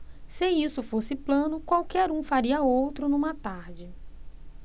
se isso fosse plano qualquer um faria outro numa tarde